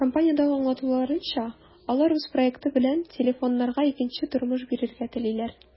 Компаниядә аңлатуларынча, алар үз проекты белән телефоннарга икенче тормыш бирергә телиләр.